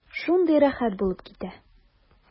Шундый рәхәт булып китә.